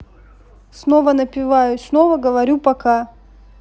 снова напиваюсь снова говорю пока